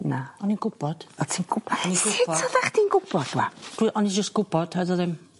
Na o'n i'n gwbod. O' ti'n gwbo... O''n i'n gwbod. Sut oddach chdi'n gwbod 'wan? Gl- o'n i jyst gwbod oedd o ddim.